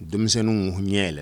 Denmisɛnninw ɲɛ yɛlɛ